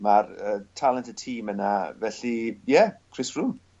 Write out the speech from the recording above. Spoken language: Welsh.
ma'r yy talent y tîm yna felly ie Chris Froome.